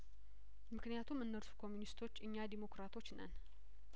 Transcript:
ምክንያቱም እነርሱ ኮሚኒስቶች እኛ ዲሞክራቶች ነን